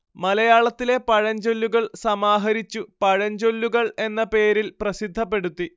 മലയാളത്തിലെ പഴഞ്ചൊല്ലുകൾ സമാഹരിച്ചു പഴഞ്ചൊല്ലുകൾ എന്ന പേരിൽ പ്രസിദ്ധപ്പെടുത്തി